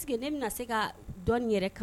Est ce que ne bɛna se ka dɔ in yɛrɛ kan